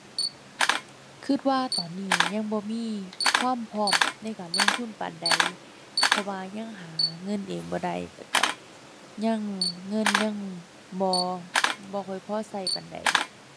คิดว่าตอนนี้ยังบ่มีความพร้อมในการลงทุนปานใด เพราะว่ายังหาเงินเองบ่ได้ แล้วคิด ยัง เงินยัง บ่ บ่ค่อยพอคิดปานใด